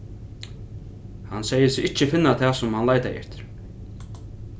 hann segði seg ikki finna tað sum hann leitaði eftir